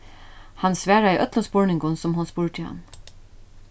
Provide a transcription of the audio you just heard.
hann svaraði øllum spurningum sum hon spurdi hann